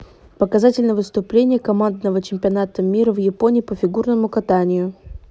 показательное выступление командного чемпионата мира в японии по фигурному катанию